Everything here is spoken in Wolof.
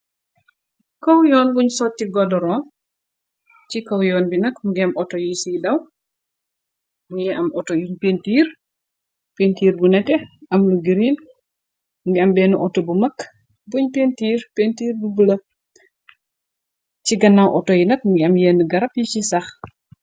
Kaw yoon buñ sotti goddoroon, ci kaw yoon bi nak ngi am auto yi si daw, ni am auto yuñ pintiir , pintiir bu nete am lu giriin ngi am benn auto bu mag buñ pentiir pintiir bu bulo, ci ganaaw auto yi nak ni am yenn garab yi ci sax.